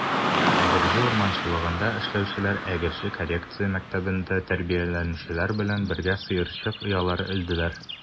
Әгерҗе урманчылыгында эшләүчеләр Әгерҗе коррекция мәктәбендә тәрбияләнүчеләр белән бергә сыерчык оялары элделәр.